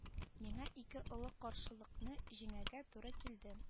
Миңа ике олы каршылыкны җиңәргә туры килде